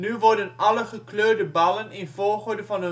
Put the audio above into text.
worden alle gekleurde ballen in volgorde van